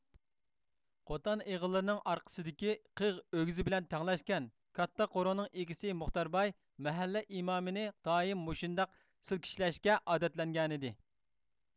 قوتان ئېغىللىرىنىڭ ئارقىسىدىكى قىغ ئۆگزە بىلەن تەڭلەشكەن كاتتا قورۇنىڭ ئىگىسى مۇختەرباي مەھەللە ئىمامىنى دائىم مۇشۇنداق سىلكىشلەشكە ئادەتلەنگەنىدى